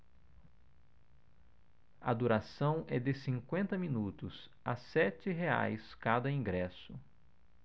a duração é de cinquenta minutos a sete reais cada ingresso